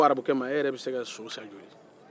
a ko arabukɛ ma e yɛrɛ bɛ se ka so san joli